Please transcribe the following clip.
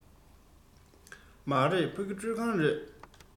མ རེད ཕ གི ཁྲུད ཁང རེད